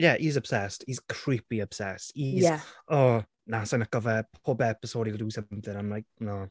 Ie, he's obsessed. He's creepy obsessed. He's... Ie. ...O! Na, sa i'n licio fe, pob episode, he'll do something, I'm like, nah.